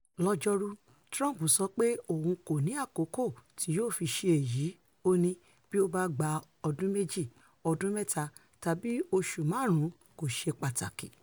Lọ́jọ́ Rú, Trump sọ pé òun kò ní àkókò tí yóò fi ṣe èyí, ó ní "Bí ó bá gba ọdún méjì, ọdún mẹ́ta tàbí oṣù márùn-ún - kò ṣe pàtàkì".